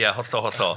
Ia hollol, hollol.